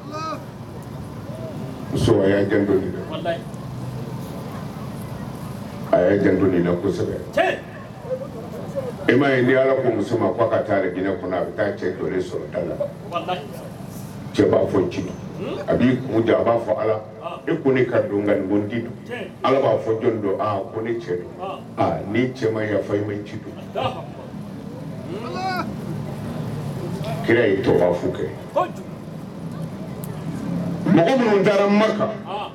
A ala taa a cɛa fɔ ci a b' a b'a fɔ ala e ala b'a fɔ jɔn don ko ni cɛ fɔ ma ci kira ye to kɛ mɔgɔ minnu taara ma